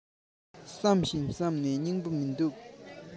བསམ ཞིང བསམ ན སྙིང པོ མིན འདུག